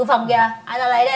phẩm kìa ai ra lấy